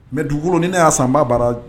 Mɛ dugukolo ni ne y'a sanba baara